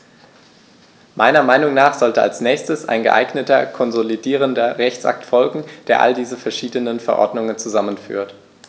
Meiner Meinung nach sollte als nächstes ein geeigneter konsolidierender Rechtsakt folgen, der all diese verschiedenen Verordnungen zusammenführt.